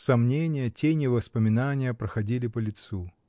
Сомнения, тени, воспоминания проходили по лицу.